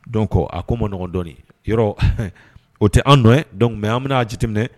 Don kɔ a ko manɔgɔndɔɔni yɔrɔ o tɛ an don don mɛ an bɛ na ji tɛmɛnminɛ